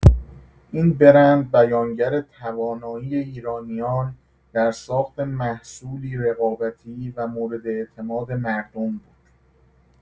این برند بیانگر توانایی ایرانیان در ساخت محصولی رقابتی و مورد اعتماد مردم بود.